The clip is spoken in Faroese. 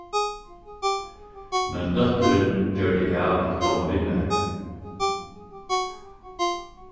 men dóttirin gjørdi av at koma við mær